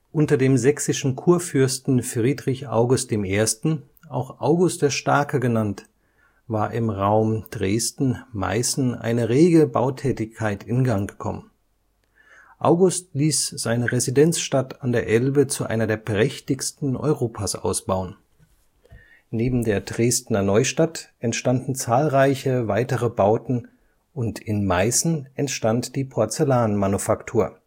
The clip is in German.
Unter dem sächsischen Kurfürsten Friedrich August I., auch August der Starke genannt, war im Raum Dresden/Meißen eine rege Bautätigkeit in Gang gekommen. August ließ seine Residenzstadt an der Elbe zu einer der prächtigsten Europas ausbauen. Neben der Dresdner Neustadt entstanden zahlreiche weitere Bauten und in Meißen entstand die Porzellanmanufaktur